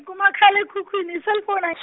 kumakhal' ekhukhwini cellphone .